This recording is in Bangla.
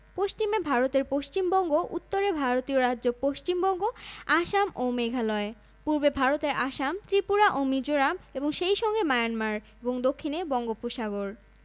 ভৌগোলিক অবস্থানঃ দক্ষিণ এশিয়ার অন্তর্ভুক্ত ২০ডিগ্রি ৩৪ মিনিট থেকে ২৬ ডিগ্রি ৩৮ মিনিট উত্তর অক্ষাংশ এবং ৮৮ ডিগ্রি ০১ মিনিট